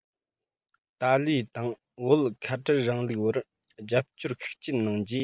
ཏཱ ལའི དང བོད ཁ བྲལ རིང ལུགས པར རྒྱབ སྐྱོར ཤུགས ཆེན གནང རྗེས